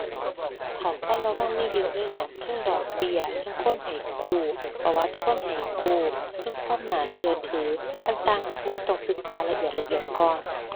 ข้อควรระวังมีเยอะเลยแหละ เทิงดอกเบี้ย เทิงคนให้กู้ ประวัติคนให้กู้ เทิงความน่าเชื่อถือ ต่างต่างมากมาย ต้องศึกษาละเอียดละเอียดก่อน